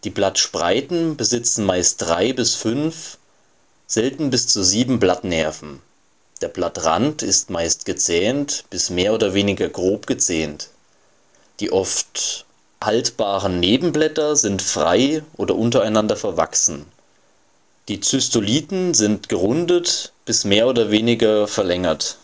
Blattspreiten besitzen meist drei bis fünf, selten bis zu sieben Blattnerven. Der Blattrand ist meist gezähnt bis mehr oder weniger grob gezähnt. Die oft haltbaren Nebenblätter sind frei oder untereinander verwachsen. Die Zystolithen sind gerundet bis mehr oder weniger verlängert